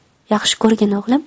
yaxshi ko'rgin o'g'lim